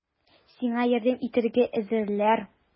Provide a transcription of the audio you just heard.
Сиңа ярдәм итәргә әзерләр!